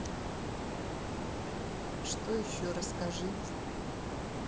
что еще расскажи